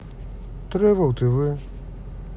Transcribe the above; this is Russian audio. тревел тв